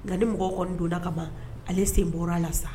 Ŋa ni mɔgɔw kɔni donna kaban ale sen bɔr'a la sa